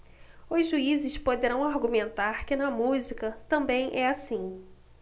os juízes poderão argumentar que na música também é assim